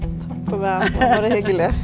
takk for meg og bare hyggelig.